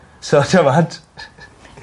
So ti wbod?